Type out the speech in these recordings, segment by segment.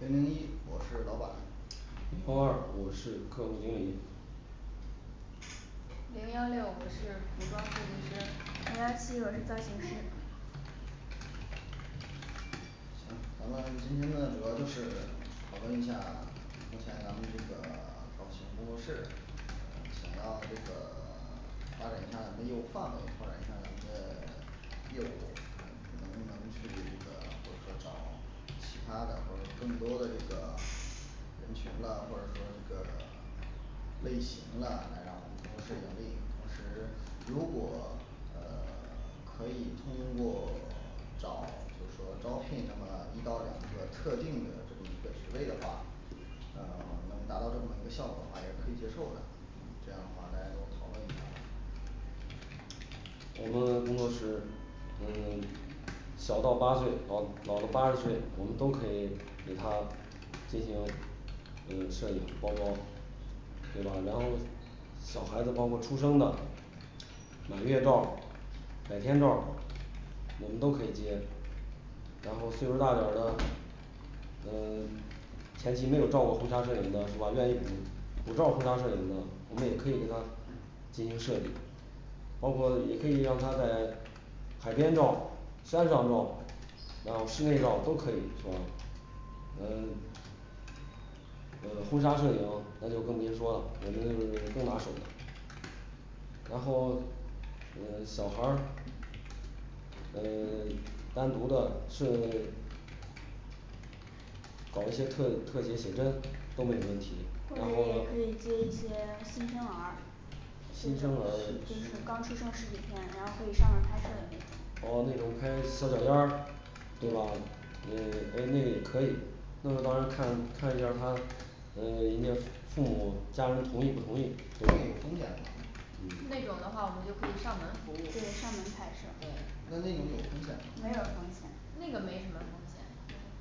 零零一我是老板零幺二我是客户经理零幺六我是服装设计师零幺七我是造型师行，咱们今天呢主要就是讨论一下，目前咱们这个 造型工作室呃想要这个 发展下咱们业务范围拓展下咱们的业务呃能不能去这个或者说找其他的或者更多的这个人群啦或者说这个类型了来让我们公司盈利同时如果呃 可以通过找就是说招聘的话，一到两个特定的这么一个职位的话呃能达到这么一个效果吧也可以接受的这样的话大家都讨论一下我们工作室嗯小到八岁，老老到八十岁，我们都可以给他进行嗯摄影报告尺码然后小孩子包括出生的满月照儿，百天照儿？我们都可以接然后岁数大点儿的，呃 前期没有照过婚纱摄影的是吧？愿意补补照儿婚纱摄影的，我们也可以给他进行设计包括也可以让他在海边照山上照，然后室内照都可以是吧呃 呃婚纱摄影那就更别说了，我们那个更拿手了然后呃小孩儿呃 单独的设 搞一些特特写写真都没有问题或者然也后可以接一些新生儿新生儿就是刚出生十几天，然后可以上门儿拍摄的那种，哦那种可以拍小脚儿丫儿对吧？也哎那也可以，那么到时候儿看看一下儿他呃人家父母家人同意不同意这个有嗯风险吧那种的话我们就可以上门服务对对上门拍摄那那种有风险没吗有风险那个没什么风险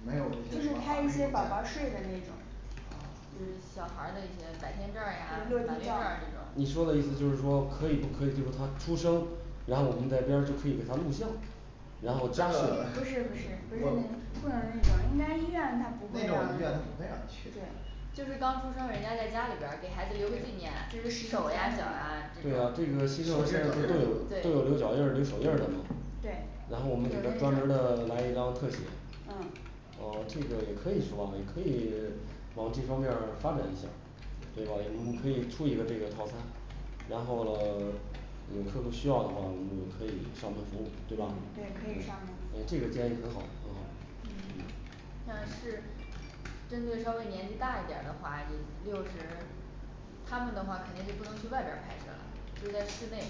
没有就是拍一风些险宝吗宝睡的那种啊 就是小孩儿的一些百天照儿呀满月照儿这种你说的意思就是说可以不可以就是他出生然后我们在边儿就可以给他录像然不是不是不是那不能后加了那种应该医院他那种不会医让院不会让去对的就是刚出生人家在家里边儿给孩子留个纪念，就是使手啊脚啊这对啊种这个新生儿都有都有留脚印儿留手印儿的嘛对然后我就们给他专门那儿的来样一张特写儿嗯啊这个也可以说啊也可以往这方面儿发展一下儿对吧？我们可以出一个这个套餐，然后咯 有客户需要的话我们就可以上门服务对吧嗯？对对可以上门这个建议很好很嗯 好那是针对稍微年纪大一点儿的话也六十他们的话肯定就不能去外边儿拍摄了。就在室内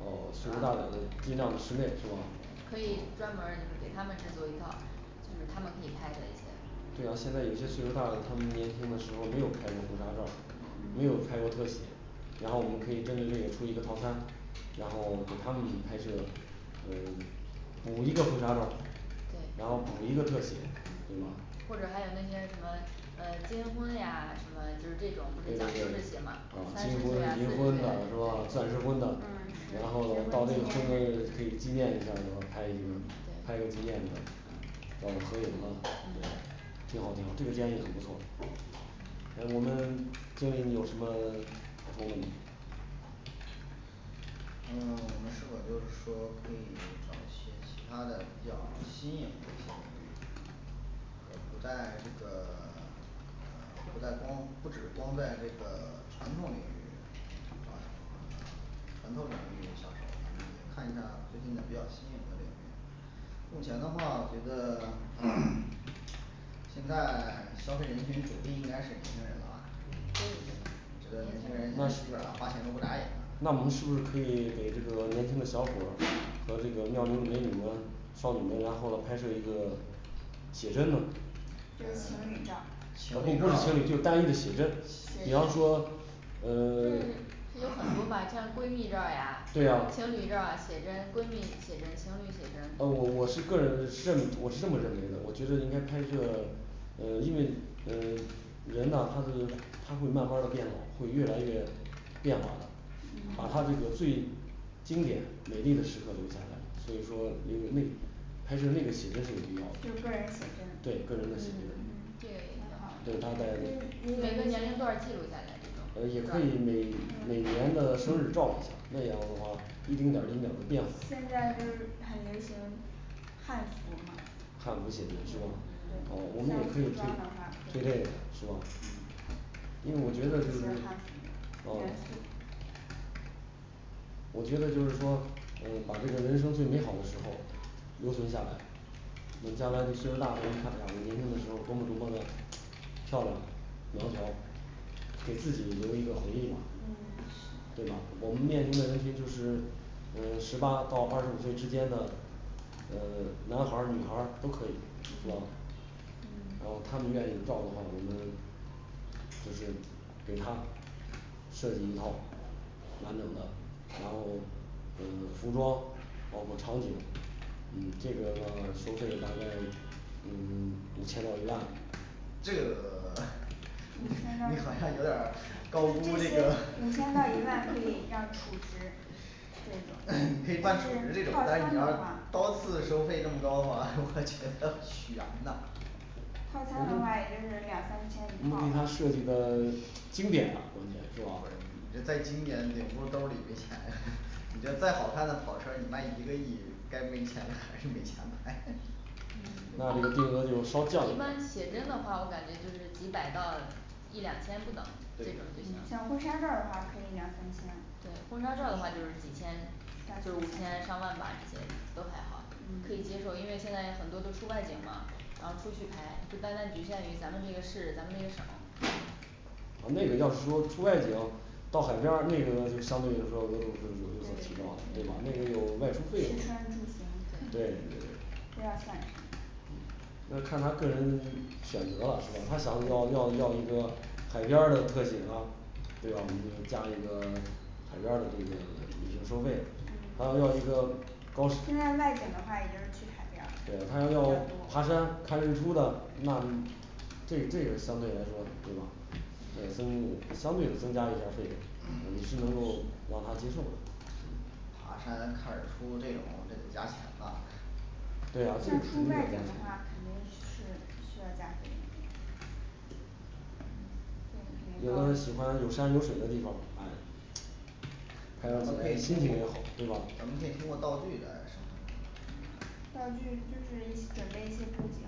哦岁数大点儿的尽量的室内是吧哦可以专门儿就给他们制作一套就是他们可以拍的一些对吧，现在有些岁数嗯大了，他们年轻的时候没有拍过婚纱照。没有拍过特写，然后我们可以针对这个出一个套餐，然后给他们去拍摄嗯补一个婚纱照儿，然后对补一个特写对吗对对对啊金婚银婚的是吧钻石婚嗯是结婚的然后到纪那个婚念日可以纪念一下儿，然后拍一个拍一个纪念的照个嗯合影啊挺好挺好，这个建议很不错呃我们经理有什么想说的吗嗯我们是否就是说可以找一些其他的比较新颖一些比如呃不在这个 呃不在光不只光在这个传统领域是吧嗯传统领域销售呃也看一下儿最近的比较新颖的领域目前的话我觉得 现在消费人群主力应该是年轻人了吧？我觉得年年轻轻人那是人基本上花钱都不眨眼了那我们是不是可以给这个年轻的小伙儿和这个妙龄美女们少女们然后拍摄一个写真呢就是情嗯侣照儿 情不不是情侣就侣照儿单一的写真写比真方说呃 就有很多吧像闺蜜照儿呀情对呀啊侣照儿呀写真闺蜜写真情侣写真我我是个人认我是这么认为的，我觉得应该拍摄呃因为嗯人呐他的他会慢慢儿的变老会越来越变化的，把他那嗯个最经典美丽的时刻留下来，所以说那那拍摄那个写真是有必要的就是个人写对个人嗯对这写真真嗯个也挺好对当代的每个年龄段儿记录下来这，呃种是也可以吧每每年的生日照一下，那样的话一丁点儿一丁点儿的变化现在就是很流行汉服嘛汉服写真是吧像哦我对对们也可服以推装的话推这个是吧因为我觉这些得就是汉服哦元素我觉得就是说呃把这个人生最美好的时候儿留存下来，等将来你岁数大了，你看然后你年轻的时候儿多么多么的漂亮苗条给自己留一个回忆嘛对嗯吧是？我们面临的这些就是呃十八到二十五岁之间的呃男孩儿女孩儿都可以是吧然后嗯他们愿意照的话，我们就是给他设计一套完整的然后嗯服装包括场景嗯这个的话收费大概嗯五千到一万这个 你你好像有点儿就是这高估这些个 五千到一万让储值这种 的就你可是以办储值这种套餐但你的话要单次收费这么高的话我觉得 悬呐套餐的话也就是两三我觉千一得我给他套设计的 经典了关键是不是你吧这再经典顶不住兜儿里没钱呀 你这再好看的跑车儿你卖一个亿，该没钱还是没钱买嗯 那我们金额就是稍降一一点般写真的的儿话我感觉就是几百到一两千不等这种就行对对像婚婚纱纱照儿的话可以两三千，照的话就是几千再就五千上万吧这些都还好可以接受，因为现在很多都出外景嘛，然后出去拍，不单单局限于咱们这个市，咱们这个省呃那个要是说出外景到海边儿那个东西相对来说没有对对对嗯有所提高对吧？那个有外出费吃穿住行对对都要算上的嗯那看他个人选择了是吧，他想要要要一个海边儿的特写是吧，所以把我们的加一个海边儿的这个一个收费他要一个高收现在外景的话也就是去海边 对他儿较要爬多山看日出的那你这个这个相对来说对吧，对增相对的增加一点儿费用，也是能够让他接受的嗯爬山看日出这种就得加钱了但对啊这服出务外景的话肯定是需要加费用的这个有的喜肯欢定有需要山有水的地方哎海上能可以心情就好，对吧咱们可以通过道具来什么道具就是一准备一些布景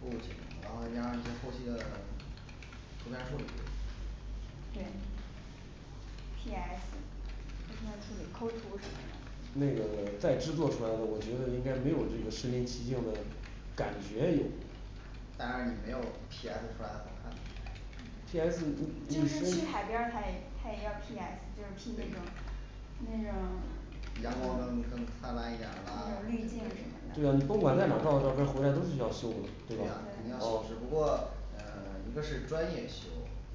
布景然后加上一些后期的图片儿处理对 P S图片处理抠图什么的那个在制作出来的，我觉得应该没有这个身临其境的感觉有但是你没有P S 出来的好看嗯P S你你就是去海边跟儿他也他也要P S就是P那什么的那种嗯那阳种滤光更更灿烂一点儿了镜什么的对对啊啊你只不不管在哪儿照的照片儿回来都是需要修的对吧啊过呃一个是专业修，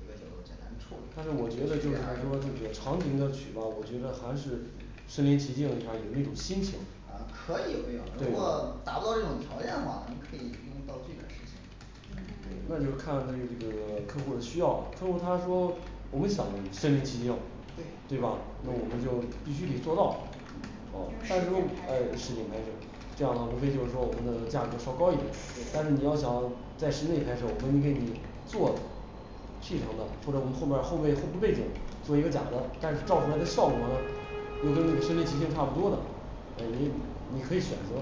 一个就简单处但是我觉理，得这就区是别还是有说的这个场景的取吧我觉得还是身临其境，他有那种心情啊可以这种只对不过，达不到这种条件的话，咱们可以用道具来实现嗯那就是嗯看那个客户的需要，客户他说我们想身临其境对对对吧？那我们就必须得做到哦用但如果诶拍实实景景拍拍摄摄这样，无非就是说我们的那个价格稍高一点，但是你要想在室内拍摄我们给你做 P成的或者我们后面儿后背铺铺背景做一个假的，但是造出来的效果就跟身临其境差不多的哎你你可以选择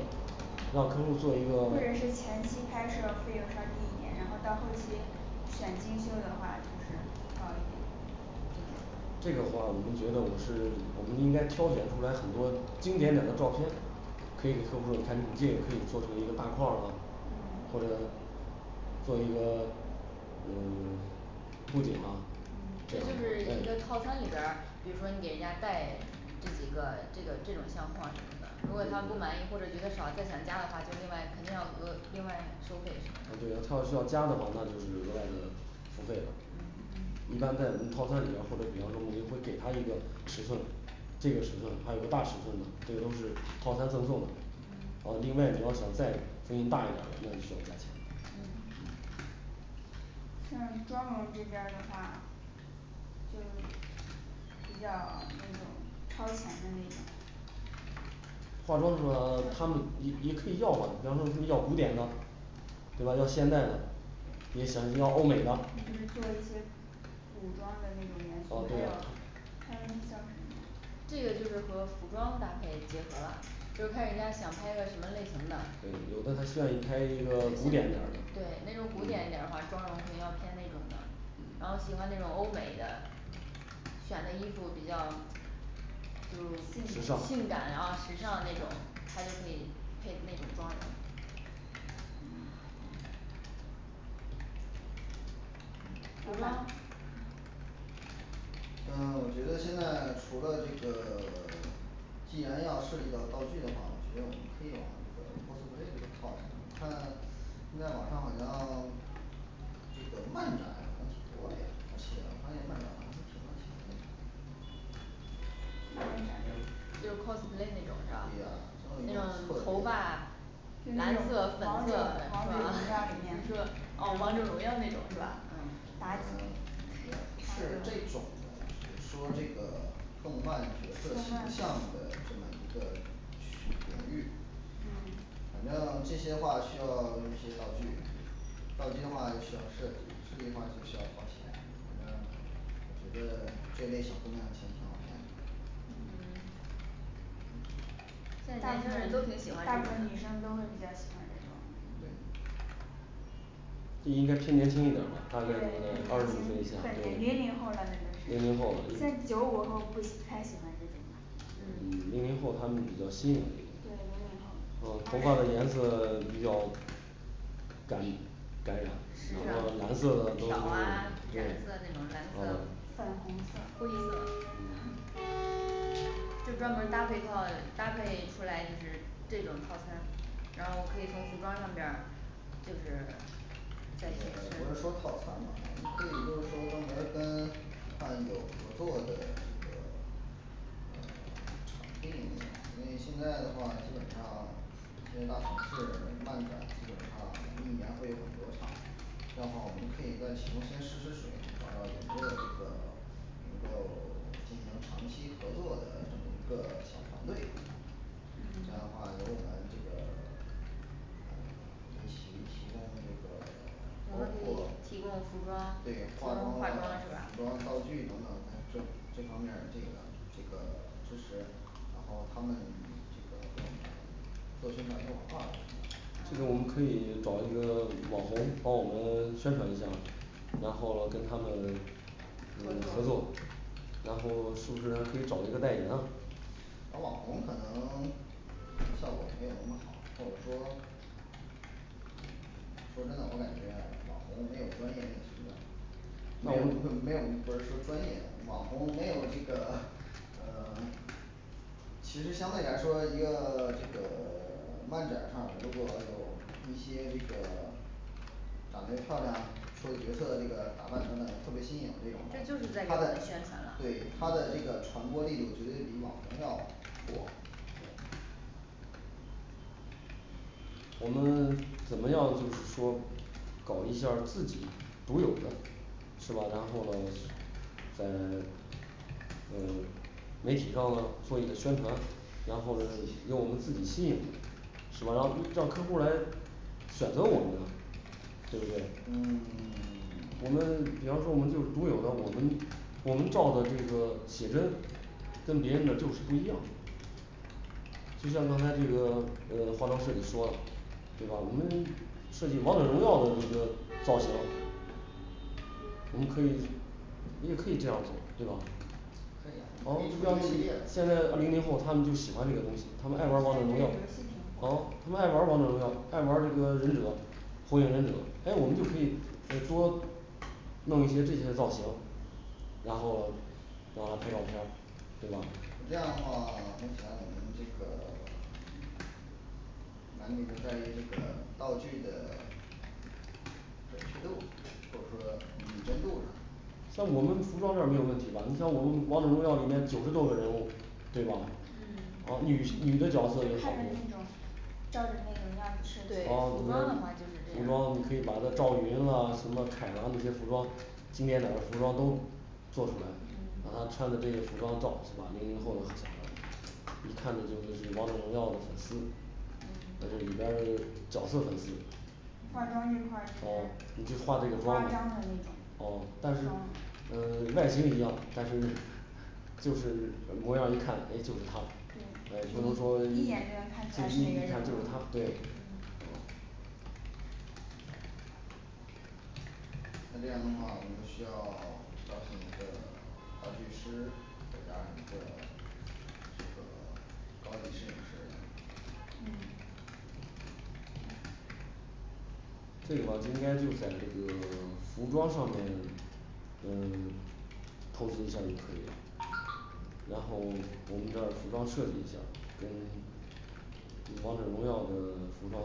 让客或户儿做一个者是前期拍摄费用稍低一点，然后到后期选精修的话就是高一点这种这个话我们就觉得我是我们应该挑选出来很多经典点的照片可以给客户说，你看你这个可以做成一个大框啊嗯，或者做一个嗯 布景啊诶啊对他要需要加的话那就是额外的收费的一般在我们套餐里面儿，或者比方说我们会给他一个尺寸这个尺寸，还有个大尺寸的这个都是套餐赠送的，啊另外你要想再更大一点儿的，那就需要加钱嗯像妆容这边儿的话就是比较那种超前的那种化妆的时候儿啊，他们也也可以要吧比方说他们要古典的，对吧要现代的也想要欧美的嗯做一些古装的那种元啊素对还呀有看她需要什么的这个就是和服装搭配结合了，就看人家想拍个什么类型的对对有那的他需要你拍一个古典点儿的种古嗯典一点儿的话，妆容肯定要偏那种的然后喜欢那种欧美的选的衣服比较就时性尚性感然后时尚那种他就可以配那种妆容嗯嗯老板呃我觉得现在除了这个 既然要涉及到道具的话，我觉得我们可以往那个Cosplay上靠你看现在网上好像这个漫展好像挺多的呀，而且发现漫展好像是挺赚钱的呀漫展就对呀主要 cosplay 那种是吧那那种种头发就那蓝种王色者粉王者色的荣耀里面嗯是吧 妲哦王者荣耀那种是吧嗯嗯 是这己貂蝉种的只是说这个动漫角色形动象的漫这么一个取决于嗯反正这些话需要用一些道具，道具的话就需要设计设计的话就需要掏钱，反正觉得这类小姑娘钱挺挺有钱的嗯 现在大年部轻分人都挺喜欢这大种部分女生都会比较喜欢这种应该偏年轻一点儿吧对偏年，大概就在二十岁以上轻算对零零零零后后了了那已经就是，但是九五后不喜不太喜欢这种的嗯零零后他们比较新颖一点儿嗯对零零后二啊头发的颜色比十较敢敢染染只要漂啊不止染色个蓝色的都是对啊那种蓝色粉红色会有的 就专门儿搭配套搭配出来就是这种套餐，然后可以从服装上边儿就是这一啊不是说类套餐吧可以就是说专门儿跟看有合作的这个呃场地，因为现在的话基本上现在大城市的漫展基本上一年会有很多场这样的话我们可以再启动先试试水，把我们要这个能够进行长期合作的这么一个小团队这样的嗯话也为我们这个 嗯为其提供这我个们可以提供包服装括对，服化装妆化妆啊是吧服装道具等等这这方面儿这个这个支持然后他们这个给我们做宣传做广告什么这个我们可以一个网红帮我们宣传一下然后跟他们嗯合作然后是不是咱可以找一个代言啊找网红可能效果没有那么好，或者说说真的我感觉网红没有专业那什么的那没有我会没有们不是说专业，网红没有这个呃 其实相对来说一个 这个 漫展上如果有一些这个长得也漂亮，说的角色这个打扮真的特别新颖，这种这就是在为我他的们宣传对了他的这个传播力度绝对比网红要火对我们怎么样就是说搞一下自己独有的，是吧？ 然后再嗯媒体上做一个宣传，然后由我们自己吸引的，是吧然后让客户儿来选择我们对不对嗯 我们比方说我们就独有的我们，我们照的这个写真跟别人的就是不一样就像刚才这个呃化妆设计说了，对吧？我们设计王者荣耀的这个造型我们可以你也可以这样做对吧哦可以出让个系列的现在零零后他们就喜欢这个东西，他们现爱玩儿王在者荣耀这个，挺好他火们爱玩儿王者荣耀爱玩儿这个忍者火影忍者，哎我们就可以呃多弄一些这些造型然后让他拍照片儿对吧那这样的话 目前我们这个 咱们也就在这个道具的准确度或者说拟真度上但我们服装这儿没有问题吧，你像我们王者荣耀里面九十多个人物对吧嗯看那种？啊女系 女的角色有好多照儿着那个样子啊我们服装设计对服装的话就是这样我们可儿以把它赵云了什么凯啦一些服装经典的服装都做出来让他穿着这个服装照是吧零零后的小孩儿一看这就是王者荣耀的粉丝在这里边儿的角色分析化妆这块儿啊呃这你就就化化这个妆容妆的那种哦哦但是呃外形一样，但是就是呃模样一看诶就是他哎不能说 对对一一眼眼就能看出来是这个人看就是他嗯对呃呃这样的话我们就需要 再请一个道具师再加上一个这个高级摄影师嗯这个话就应该就是在这个 服装上面嗯 投资一下儿就可以了。然后我们这儿服装设计一下儿跟王者荣耀的服装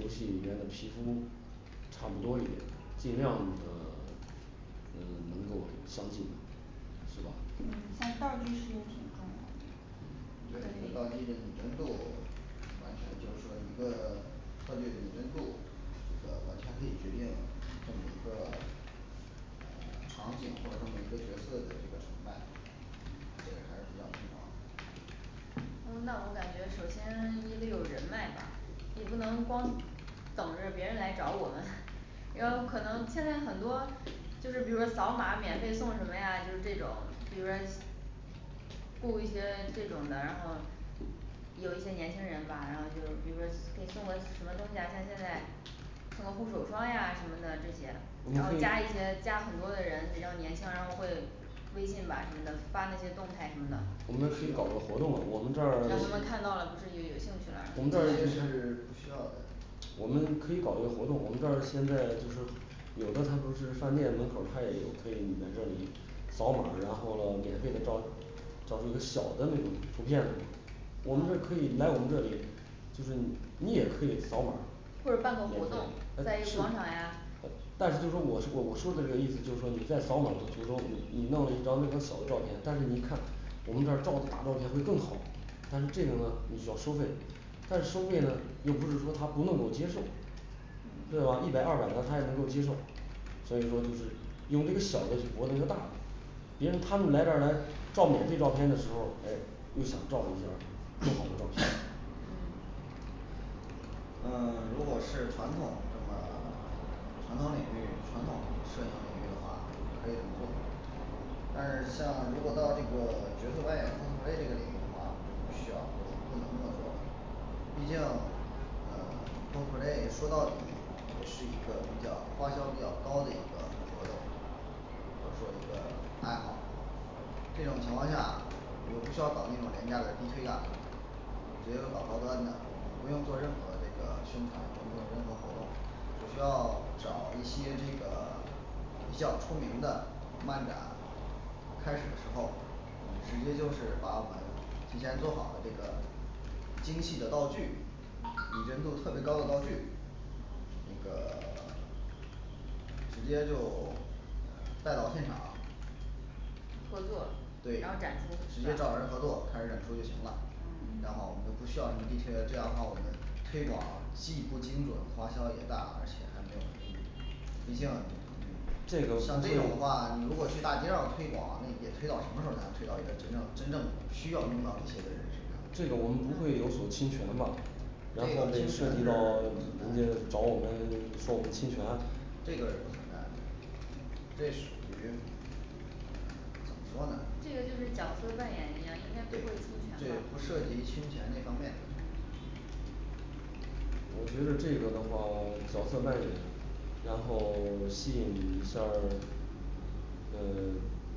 游戏里面的皮肤差不多也尽量的呃能够相信是吧嗯像道具是一个挺重要的可对这道具的以拟真度完全就是说一个道具的拟真度这个完全可以决定这么一个呃场景或者这么一个角色的一个成败这个还是比较重要呃那我感觉首先你得有人脉吧，你不能光等着别人来找我们 有可能现在很多，就是比如说扫码免费送什么呀就这种，比如说雇一些这种的，然后有一些年轻人吧然后就比如说给送个什么东西啊，像现在送个护手霜呀什么的这些我然们可后以加一些加很多的人比较年轻然后会微信吧什么的，发那些动态什么的我们可以搞个活动我们这儿我们这这些儿是不需要的我们可以搞一个活动，我们这儿现在就是有的他都是饭店门口儿，他也可以在这里扫码儿，然后了免费的照，照出一个小的那种图片我们这儿可以来我们这里，就是你你也可以扫码儿或者办个免活动费在在一个市广啊场呀但是就是说我我说的这个意思就是说你在扫码儿的途中，你你弄了一张那张小的照片但是你一看我们这儿照大照片会更好但是这个呢你需要收费，但是收费呢又不是说他不能够接受对吧一百二百的他也能够接受，所以说就是用这个小的去搏这个大的别人他们这儿来照免费照片的时候，诶又想照一下更好的照片儿嗯呃如果是传统的话， 传统领域传统摄影领域的话可以合作但是像如果到这个角色扮演cosplay这个种的话，就不需要不能那么做了毕竟呃cosplay说到底也是一个比较花销比较高的一个活动或者说一个爱好这种情况下，也不需要搞那种廉价的地推呀直接把高端的不用做任何这个宣传工作的任何活动只需要找一些这个比较出名的漫展开始的时候，呃直接就是把我们提前做好了这个精细的道具，拟真度特别高的道具这个 直接就呃带到现场合作对然后展出直对接吧找人合作开始演出就行了这样的话我们就不需要什么地推这样的话我们推广，既不精准花销也大，而且还没有推进毕竟嗯这个像可这以种的话，你如果去大街上推广，那你得推到什么时候儿才能推到一个真正真正用到这些的人身这个上我们不会有所侵权吧这然后个其就涉涉及及到到人家找我们说我们侵权这个是不存在的这属于怎么说呢这对个就是角色扮演一样，应该不会侵权这不涉的及侵权那方面我觉得这个的话角色扮演，然后吸引一下儿呃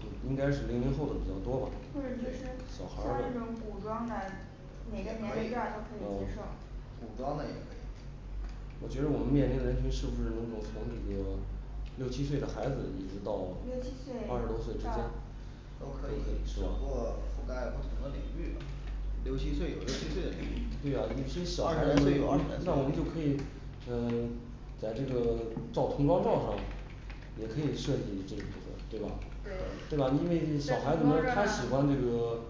就应该是零零后的比较多吧或者就是，小孩像儿那的种古装的啊哪也儿个可年龄段儿都可以以接受。古装的也可以我觉得我们面临的人群是不是能够从那个六七岁的孩子一直到六七岁二十多岁之间到都都可可以以是只不吧过覆盖不同的领域吧六七岁有六七岁的领对域啊二十来有些小的岁有二十来岁那我们的就可领以域呃 在这个照童装照儿上，也可以设计这一部分对吧对在童装照儿上比较特对吧因为小孩子们儿他喜欢这个